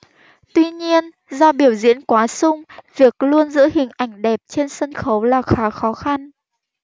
tuy nhiên do biểu diễn quá sung việc luôn giữ hình ảnh đẹp trên sân khấu là khá khó khăn